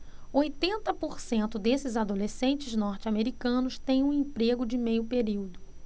oitenta por cento desses adolescentes norte-americanos têm um emprego de meio período